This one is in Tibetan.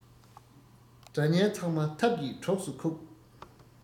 དགྲ གཉེན ཚང མ ཐབས ཀྱིས གྲོགས སུ ཁུག